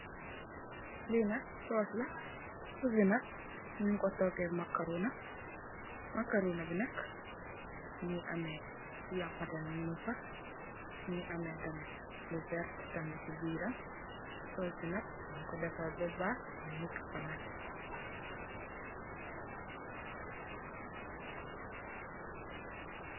Li nak sòosla sòos bi nak nyung ko togeh makarona makarona bi nak mungi ameh yapa tami mungfa mjngi ameh tamit lu veert tamit ci biiram sòos bi tamit mungi nyungko defar be bah yekako nak